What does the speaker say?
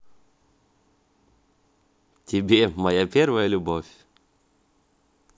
тебе моя первая любовь